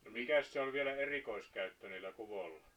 no mikäs se oli vielä erikoiskäyttö niillä kuvoilla